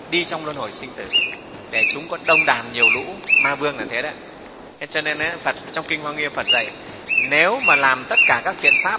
đi trong luân hồi sinh tử để chúng có đông đàn nhiều lũ ma vương là thế đấy thế cho nên trong kinh hoa nghiêm phật dạy nếu mà làm tất cả các thiện pháp